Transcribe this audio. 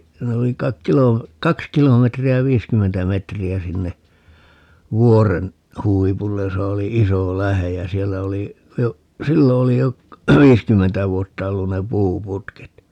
siinä oli kai - kaksi kilometriä viisikymmentä metriä sinne vuoren huipulle jossa oli iso lähde ja siellä oli jo silloin oli jo viisikymmentä vuotta ollut ne puuputket